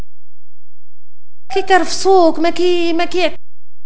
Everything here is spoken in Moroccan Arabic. سوق مكينه